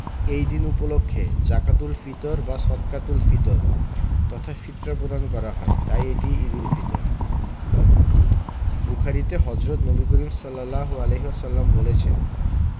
এই দিন উপলক্ষে জাকাতুল ফিতর বা সদকাতুল ফিতর তথা ফিতরা প্রদান করা হয় তাই এটি ঈদুল ফিতর বুখারিতে হজরত নবী করিম সা বলেছেন